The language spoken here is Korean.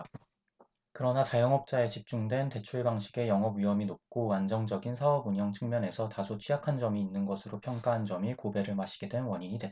그러나 자영업자에 집중된 대출방식의 영업위험이 높고 안정적인 사업운영 측면에서 다소 취약한 점이 있는 것으로 평가한 점이 고배를 마시게 된 원인이 됐다